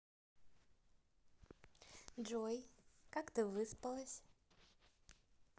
джой как ты выспалась